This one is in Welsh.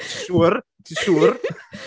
Ti'n siŵr? Ti’n siŵr?